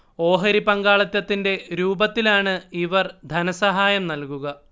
ഓഹരി പങ്കാളിത്തത്തിന്റെ രൂപത്തിലാണ് ഇവർ ധനസഹായം നൽകുക